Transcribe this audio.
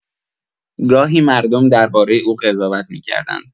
گاهی مردم دربارۀ او قضاوت می‌کردند.